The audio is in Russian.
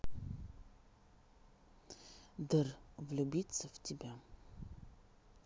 dr влюбиться тебе